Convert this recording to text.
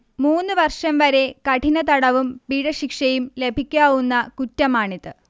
മൂന്നുവർഷം വരെ കഠിനതടവും പിഴശിക്ഷയും ലഭിക്കാവുന്ന കുറ്റമാണിത്